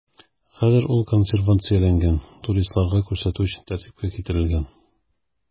Хәзер ул консервацияләнгән, туристларга күрсәтү өчен тәртипкә китерелгән.